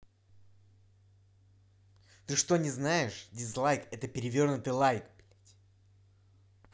ты что не знаешь дизлайк это перевернутый лайк